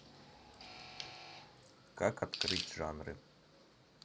как открыть жанры